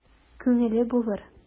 Күңеле булыр...